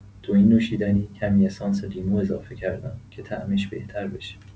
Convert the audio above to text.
توی این نوشیدنی کمی اسانس لیمو اضافه کردم که طعمش بهتر بشه.